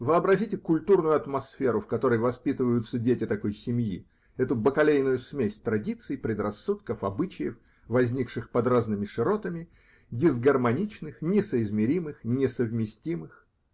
Вообразите культурную атмосферу, в которой воспитываются дети такой семьи, эту бакалейную смесь традиций, предрассудков, обычаев, возникших под разными широтами, дисгармоничных, несоизмеримых, несовместимых!